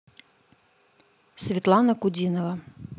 светлана кудинова